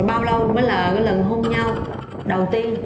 bao lâu mới là cái lần hôn nhau đầu tiên